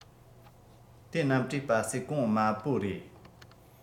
དེའི གནམ གྲུའི སྤ སེ གོང དམའ པོ རེད